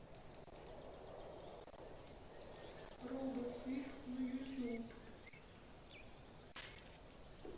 робоцып на ютюб